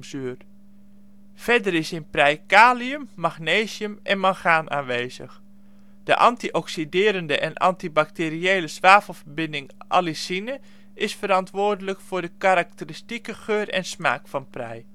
Verder is in prei kalium, magnesium en mangaan aanwezig. De anti-oxiderende en anti-bacteriële zwavelverbinding allicine is verantwoordelijk voor de karakteristieke geur en smaak van prei